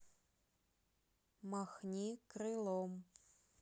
махни крылом